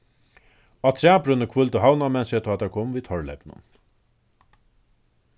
á træbrúnni hvíldu havnarmenn seg tá ið teir komu við torvleypinum